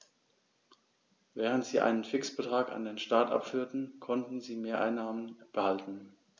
Während sie einen Fixbetrag an den Staat abführten, konnten sie Mehreinnahmen behalten.